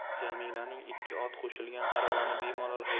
jamilaning ikki ot qo'shilgan aravani bemalol